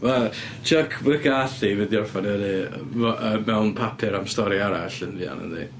Mae Chuck McCarthy yn mynd i orffen fyny m- yy mewn papur am stori arall yn fuan, yndi.